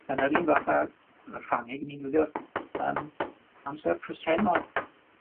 Yn yr un fath â yy y Ffrangeg, ni'n defnyddio'r yym amser presennol.